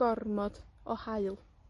gormod o haul.